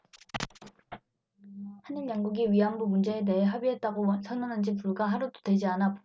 한일 양국이 위안부 문제에 대해 합의했다고 선언한 지 불과 하루도 되지 않아 후폭풍이 불어 닥쳤다